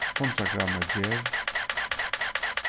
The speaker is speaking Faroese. hundrað gramm av ger